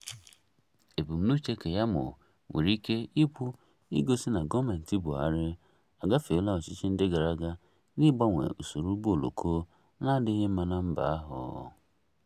Ebumnuche Keyamo nwere ike ịbụ igosi na gọọmentị Buhari agafeela ọchịchị ndị gara aga n'ịgbanwe usoro ụgbọ oloko na-adịghị mma na mba ahụ.